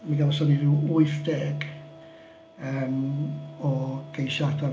Mi gawson ni ryw wyth deg yym o geisiadau.